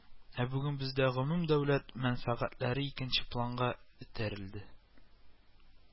Ә бүген бездә гомум дәүләт мәнфәгатьләре икенче планга этәрелде